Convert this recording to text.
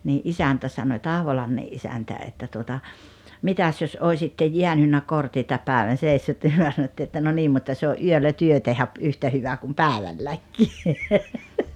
niin isäntä sanoi Tahvolammen isäntä että tuota mitäs jos olisitte jäänyt kortitta päivän seissyt niin me sanottiin että no niin mutta se on yöllä te tehdä - yhtä hyvä kuin päivälläkin